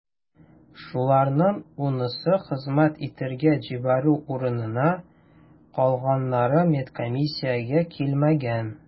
Шуларның унысы хезмәт итәргә җибәрү урынына, калганнары медкомиссиягә килмәгән.